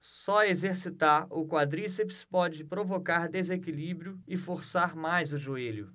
só exercitar o quadríceps pode provocar desequilíbrio e forçar mais o joelho